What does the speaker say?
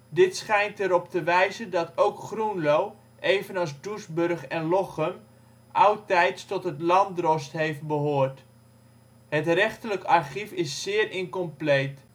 Dit schijnt er op te wijzen dat ook Groenlo, evenals Doesburg en Lochem, oudtijds tot het landdrost heeft behoord. Het rechterlijk archief is zeer incompleet